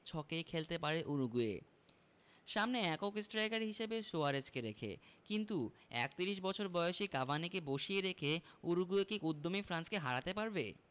ছকে খেলতে পারে উরুগুয়ে সামনে একক স্ট্রাইকার হিসেবে সুয়ারেজকে রেখে কিন্তু ৩১ বছর বয়সী কাভানিকে বসিয়ে রেখে উরুগুয়ে কি উদ্যমী ফ্রান্সকে হারাতে পারবে